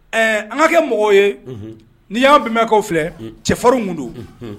An ka kɛ mɔgɔw ye n'i y'an bɛnkaw filɛ cɛfarin mun don